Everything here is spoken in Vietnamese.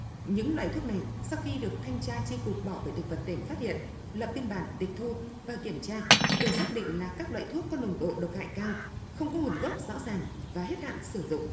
những loại thuốc này sau khi được thanh tra chi cục bảo vệ thực vật tỉnh phát hiện lập biên bản tịch thu và kiểm tra đều xác định là các loại thuốc có nồng độ độc hại cao không có nguồn gốc rõ ràng và hết hạn sử dụng